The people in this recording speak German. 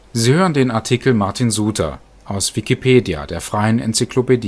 Sie hören den Artikel Martin Suter, aus Wikipedia, der freien Enzyklopädie